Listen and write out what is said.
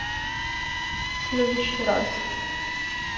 следующий раз